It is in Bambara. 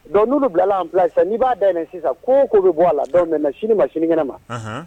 Don n bilalaan bila sisan n'i b'a da sisan ko ko bɛ bɔ a la na siniinin ma sinikɛnɛ ma